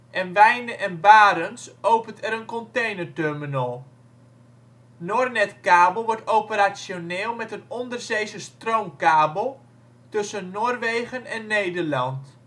en Wijnne & Barends opent er een containerterminal 2008 - NorNed-kabel wordt operationeel met een onderzeese stroomkabel tussen Noorwegen en Nederland